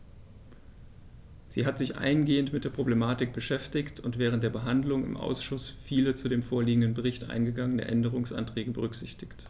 Sie hat sich eingehend mit der Problematik beschäftigt und während der Behandlung im Ausschuss viele zu dem vorliegenden Bericht eingegangene Änderungsanträge berücksichtigt.